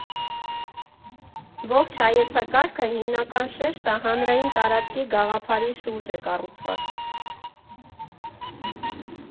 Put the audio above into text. Ողջ հայեցակարգը հիմնական շեշտը հանրային տարածքի գաղափարի շուրջ է կառուցված։